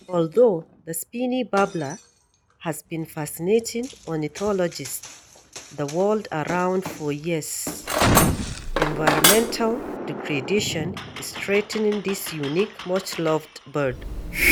Although the Spiny Babbler has been fascinating ornithologists the world around for years, environmental degradation is threatening this unique, much-loved bird.